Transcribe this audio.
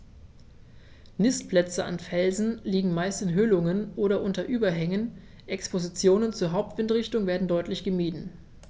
Nistplätze an Felsen liegen meist in Höhlungen oder unter Überhängen, Expositionen zur Hauptwindrichtung werden deutlich gemieden.